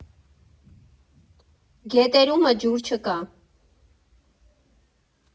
Գետերումը ջուր չկա։